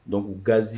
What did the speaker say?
Donc gaze